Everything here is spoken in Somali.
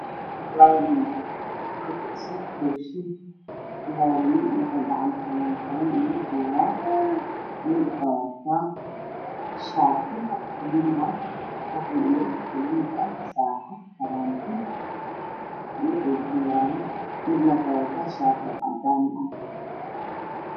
Lamo nin oo goy neyso lamiga mid waxa uu wataa shaati cadaan midna waxa uu wataa shaati madow ah